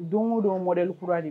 Don o don modèle kura don